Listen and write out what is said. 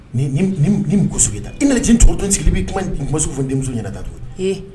Ni nin gosi ye da i nanaji cogo dɔnsigi i'i kuma' fɔ denmuso ɲɛna da to